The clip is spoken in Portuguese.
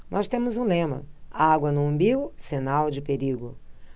nós temos um lema água no umbigo sinal de perigo